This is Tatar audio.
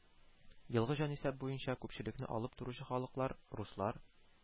Елгы җанисәп буенча күпчелекне алып торучы халыклар: руслар